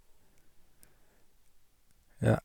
Ja.